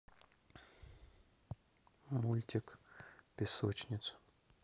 мультик песочниц